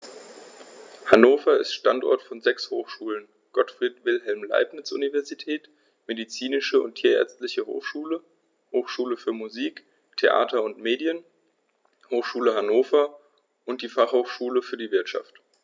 Hannover ist Standort von sechs Hochschulen: Gottfried Wilhelm Leibniz Universität, Medizinische und Tierärztliche Hochschule, Hochschule für Musik, Theater und Medien, Hochschule Hannover und die Fachhochschule für die Wirtschaft.